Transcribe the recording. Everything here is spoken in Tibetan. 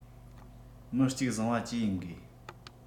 མི གཅིག བཟང བ བཅས ཡིན དགོས